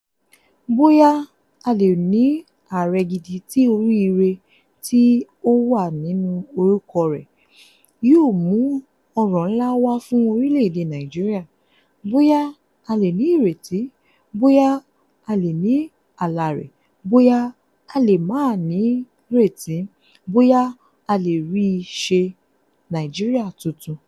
Bóyá, a lè ní Ààrẹ gidi tí oríire tí ó wà nínú orúkọ rẹ̀ yóò mú ọrọ̀ ńlá wá fún orílẹ̀-èdè Nigeria, bóyá, a lè ní ìrètí, bóyá, a lè ní àlá rẹ̀, bóyá, a lè máa retí, bóyá, a lè ríi ṣe – Nigeria Tuntun.